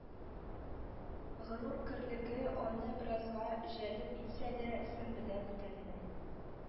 Горур көрлеге аны беразга җәлеп итсә дә, сөмбелә бүтәнне